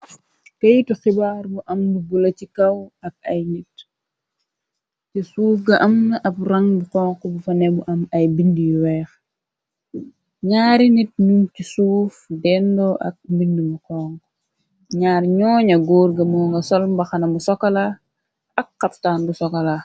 Keytu xibaar bu am lu bula chi kaw ak ay nit ci suuf ga amn ab rang bi konk bu fane bu am ay bind yu weex, ñaari nit ñu ci suuf dendoo ak mbind mu xonk, ñaari ñooña góor ga moo nga sol mbaxana mu sokola ak xaftaan bu sokola.